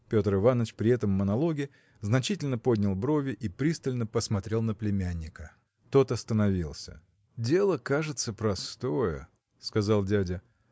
Петр Иваныч при этом монологе значительно поднял брови и пристально посмотрел на племянника. Тот остановился. – Дело кажется простое – сказал дядя